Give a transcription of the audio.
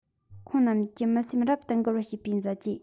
ཁོང རྣམ གཉིས ཀྱི མི སེམས རབ ཏུ འགུལ བར བྱེད པའི མཛད རྗེས